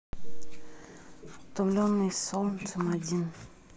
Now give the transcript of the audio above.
утомленные солнцем один